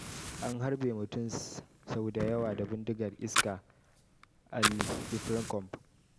An harbe mutum sau da yawa da bindigar iska a Ilfracombe